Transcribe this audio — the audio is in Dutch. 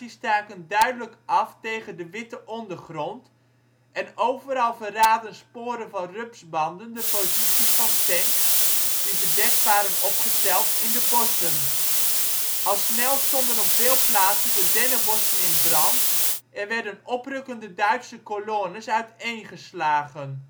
staken duidelijk af tegen de witte ondergrond en overal verraadden sporen van rupsbanden de posities van tanks, die verdekt waren opgesteld in de bossen. Al snel stonden op veel plaatsen de dennenbossen in brand en werden oprukkende Duitse colonnes uiteengeslagen